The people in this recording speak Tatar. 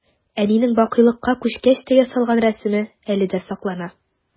Әнинең бакыйлыкка күчкәч тә ясалган рәсеме әле дә саклана.